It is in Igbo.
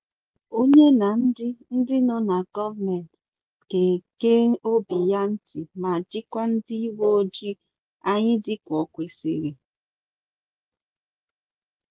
Ònyé ná ndị ndị nọ na gọọmentị ga-ege obi ya ntị ma jikwaa ndị ụwe ojii anyị dịka o kwesiri?